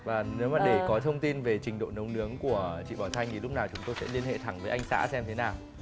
và nếu mà để có thông tin về trình độ nấu nướng của chị bảo thanh thì lúc nào chúng tôi sẽ liên hệ thẳng với anh xã xem thế nào